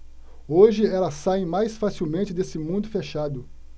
hoje elas saem mais facilmente desse mundo fechado